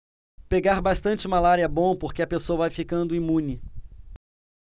pegar bastante malária é bom porque a pessoa vai ficando imune